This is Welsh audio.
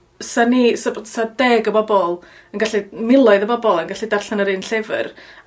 'sa ni 'sa bod... 'Sa deg o bobol yn gallu miloedd o bobol yn gallu darllan yr un llyfyr